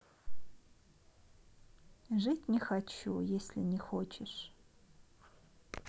жить не хочу если не хочешь